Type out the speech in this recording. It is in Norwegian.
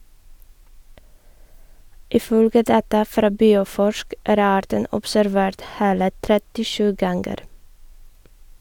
Ifølge data fra Bioforsk, er arten observert hele 37 ganger.